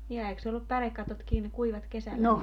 ja eikös se ollut pärekatotkin kuivat kesällä ja